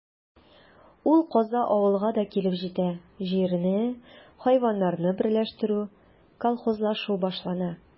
Ул каза авылга да килеп җитә: җирне, хайваннарны берләштерү, колхозлашу башлана.